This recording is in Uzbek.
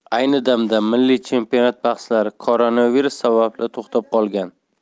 ayni damda milliy chempionat bahslari koronavirus sababli to'xtab qolgan